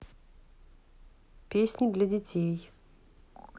песни для детей